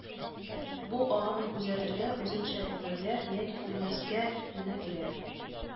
Бу агымны күзәтергә, үзеңчә күрергә, яки күрмәскә генә кирәк